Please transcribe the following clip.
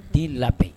Den labɛn